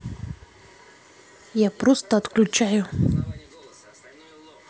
я просто отключаю